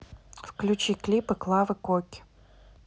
включи клипы клавы коки